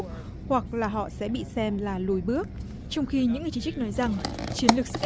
hoặc là họ sẽ bị xem là lùi bước trong khi những chỉ trích nói rằng chiến lược sức